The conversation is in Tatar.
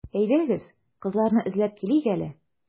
Әйдәгез, кызларны эзләп килик әле.